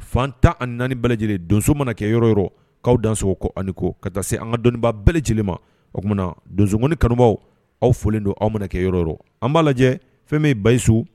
Fan tan ani naani bɛɛ lajɛlen donso mana kɛ yɔrɔ yɔrɔ'aw danso ko ani ko ka taa se an ka dɔnniba bɛɛ lajɛlen ma o tumaumana na donsok kanubaw aw folilen don aw mana kɛ yɔrɔ yɔrɔ an b'a lajɛ fɛn bɛ basiyi su